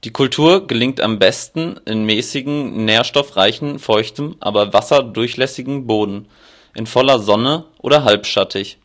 Kultur gelingt am besten in mäßig nährstoffreichem, feuchtem, aber wasserdurchlässigem Boden in voller Sonne oder halbschattig